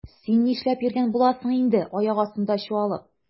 Син нишләп йөргән буласың инде аяк астында чуалып?